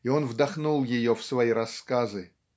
и он вдохнул ее в свои рассказы.